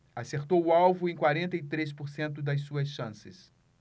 acertou o alvo em quarenta e três por cento das suas chances